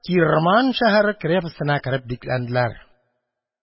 Кирман шәһәре крепостена кереп бикләнделәр.